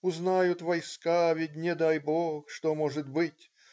Узнают войска, ведь не дай Бог, что может быть.